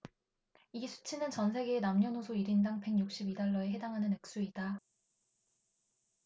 이 수치는 전 세계의 남녀노소 일 인당 백 육십 이 달러에 해당하는 액수이다